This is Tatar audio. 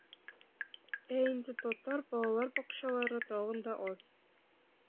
Ә инде татар балалар бакчалары тагын да аз.